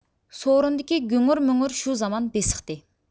سورۇندىكى گۈڭۈر مۈڭۈر شۇ زامان بېسىقتى